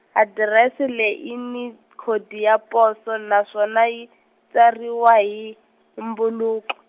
adirese leyi yi ni khodi ya poso naswona yi, tsariwa hi, mbhulu- .